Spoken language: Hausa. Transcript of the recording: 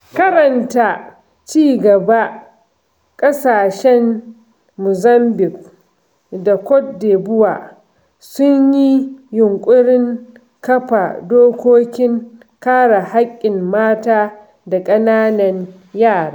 Karanta cigaba: ƙasashen Muzambiƙue da Cote d'Iɓoire sun yi yunƙurin kafa dokokin kare haƙƙin mata da ƙananan yara.